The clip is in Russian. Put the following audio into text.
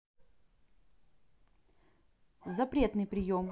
запретный прием